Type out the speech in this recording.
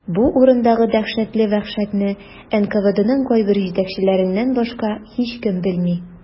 Бу урындагы дәһшәтле вәхшәтне НКВДның кайбер җитәкчеләреннән башка һичкем белми.